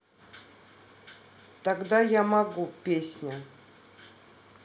тогда я могу песня